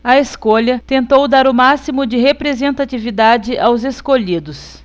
a escolha tentou dar o máximo de representatividade aos escolhidos